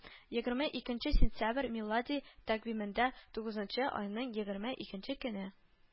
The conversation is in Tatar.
Егерме икенче сентябрь милади тәкъвимендә тугызынчы айның егерме икенче көне